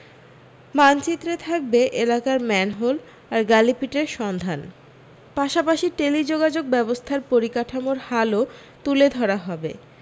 মানচিত্রে থাকবে এলাকার ম্যানহোল আর গালিপিটের সন্ধান পাশাপাশি টেলি্যোগা্যোগ ব্যবস্থার পরিকাঠামোর হালও তুলে ধরা হবে